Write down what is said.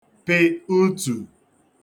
pị̀ utù